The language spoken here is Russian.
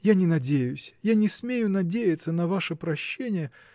я не надеюсь, я не смею надеяться на ваше прощение